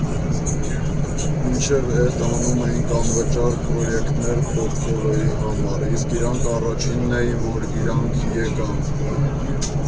Մինչև էդ անում էինք անվճար պրոյեկտներ պորտֆոլիոյի համար, իսկ իրանք առաջինն էին, որ իրանք եկան։